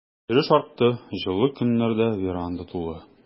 Йөреш артты, җылы көннәрдә веранда тулы.